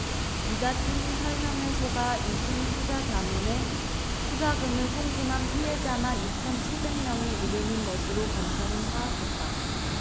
이 같은 설명에 속아 이숨투자자문에 투자금을 송금한 피해자만 이천 칠백 명이 이르는 것으로 검찰은 파악했다